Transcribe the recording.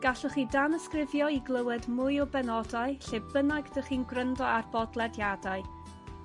gallwch chi dan ysgrifio i glywed mwy o benodau lle bynnag 'dych chi'n gwryndo ar bodlediadau